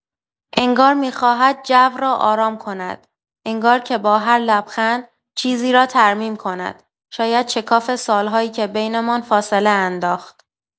انگار می‌خواهد جو را آرام کند، انگار که با هر لبخند، چیزی را ترمیم کند، شاید شکاف سال‌هایی که بینمان فاصله انداخت.